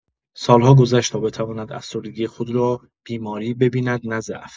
سال‌ها گذشت تا بتواند افسردگی خود را بیماری ببیند نه ضعف.